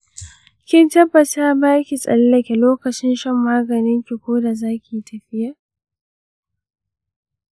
ki tabbata baki tsallake lokacin shan maganin ki koda zakiyi tafiya.